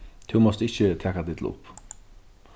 tú mást ikki taka tað illa upp